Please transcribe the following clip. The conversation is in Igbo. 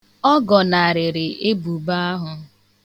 Ọ gọnarịrị ebubo ahụ.